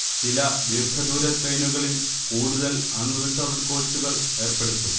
ചില ദീർഘദൂര ട്രെയിനുകളിൽ കൂടുതൽ അൺ റിസർവ്ഡ് കോച്ചുകൾ ഏർപ്പെടുത്തും